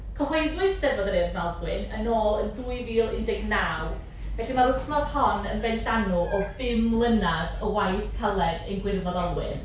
Cyhoeddwyd 'Steddfod yr Urdd Maldwyn yn ôl yn dwy fil ac un deg naw, felly mae'r wythnos hon yn benllanw o bum mlynedd o waith caled ein gwirfoddolwyr.